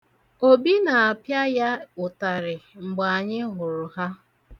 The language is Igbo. Obi na-apia ya ụtarị mgbe anyị hụrụ ha.